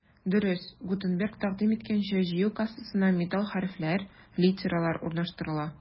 Дөрес, Гутенберг тәкъдим иткәнчә, җыю кассасына металл хәрефләр — литералар урнаштырыла.